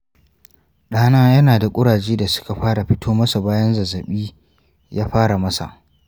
ɗana yana da kuraje da suka fara fito masa bayan zazzabi ya fara masa.